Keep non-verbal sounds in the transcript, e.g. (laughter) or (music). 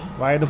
(hesitation) (hesitation)